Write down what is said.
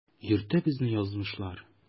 Йөртә безне язмышлар.